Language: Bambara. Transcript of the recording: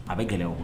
A bɛ kɛlɛ o